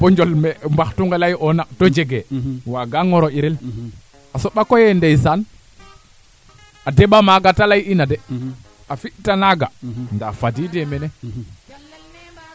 so axe na ciya nuun emission tenr efu Projet ne na leyel jokalante i ngid ma dena a paaxa paax me i ndoka rek grand Ndane ten refu yee o ndeeta ngaan i ñake nawo